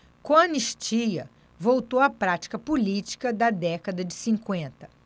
com a anistia voltou a prática política da década de cinquenta